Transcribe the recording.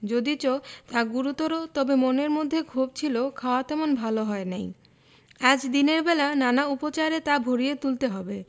যদিচ তা গুরুতর তবু মনের মধ্যে ক্ষোভ ছিল খাওয়া তেমন ভাল হয় নাই আজ দিনের বেলা নানা উপচারে তা ভরিয়ে তুলতে হবে